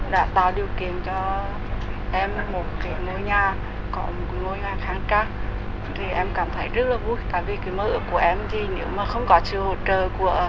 đã tạo điều kiện cho em một cái ngôi nhà có một cái ngôi nhà khang trang thì em cảm thấy rất là vui vì tại vì cái mơ ước của em thì nếu mà không có sự hỗ trợ của ờ